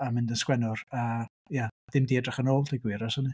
A mynd yn sgwennwr. A ia ddim 'di edrych yn ôl deud gwir ers hynny.